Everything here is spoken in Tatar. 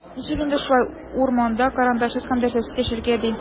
Ничек инде шулай, урманда карандашсыз һәм дәфтәрсез яшәргә, ди?!